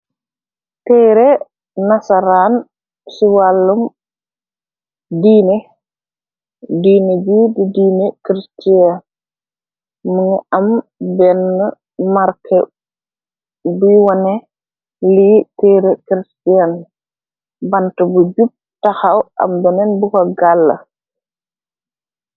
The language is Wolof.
Tëre nazaraan ci wàllum nediine. ji di diine christien mu ngi am benn marke buy wone lii tëre christiane bante bu jup taxaw am beneen bu ko gàlla.